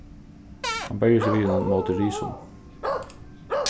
hann berjist við honum ímóti risum